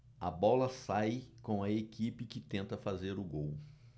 a bola sai com a equipe que tenta fazer o gol